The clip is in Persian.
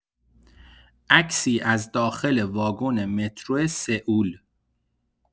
عکسی از داخل واگن مترو سئول.